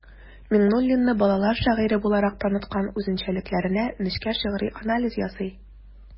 Миңнуллинны балалар шагыйре буларак таныткан үзенчәлекләренә нечкә шигъри анализ ясый.